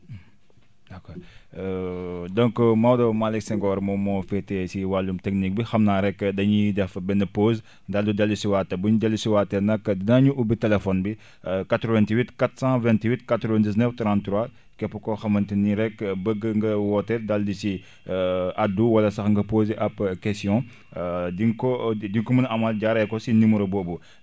d' accord donc Maodo Malick Senghor moom moo féetee si wàllum technique bi xam naa rek dañuy def benn pause daal di dellu si waat bu ñu dellu si waatee nag daañu ubbi téléphone bi 88 428 99 33 képp koo xamante ni rek bëgg nga woote daal di siy addu wala sax nga poser ab question di nga ko di nga ko mën a amaat jaaree ko ci numéro boobu